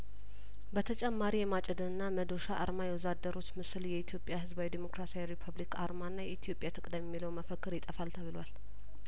በተጨማሪ የማጭድንና መዶሻ አርማ የወዛ ደሮችምስል የኢትዮጵያ ህዝባዊ ዲሞክራሲያዊ ሪፑብሊክ አርማና ኢትዮጵያት ቅደም የሚለው መፈክር ይጠፋል ተብሏል